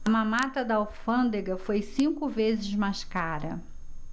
a mamata da alfândega foi cinco vezes mais cara